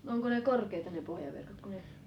onko ne korkeita ne pohjaverkot kun ne